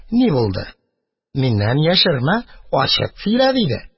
Ни булды, миннән яшермә, ачык сөйлә, – диде.